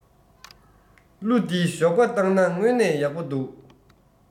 གླུ འདི ཞོགས པ བཏང ན སྔོན ནས ཡག པོ འདུག